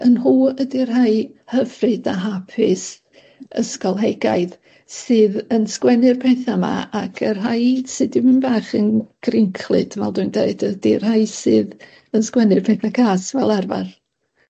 Y nhw ydi'r rhei hyfryd a hapus ysgolheigaidd sydd yn sgwennu'r petha 'ma ac y rhai sy dipyn bach yn grinclyd fel dwi'n deud ydi'r rhai sydd yn sgwennu'r petha cas fel arfar.